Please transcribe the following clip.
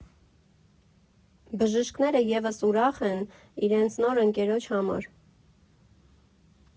Բժիշկները ևս ուրախ են իրենց նոր ընկերոջ համար։